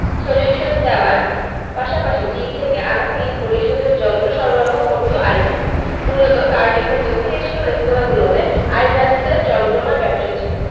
solution দেওয়ার পাশাপাশি চীন থেকে আনা বিল পরিশোধের যন্ত্র সরবরাহ করত আইব্যাকস মূলত কার্ডিফের দক্ষিণ এশীয় রেস্তোরাঁগুলোতে আইব্যাকসের জমজমাট ব্যবসা ছিল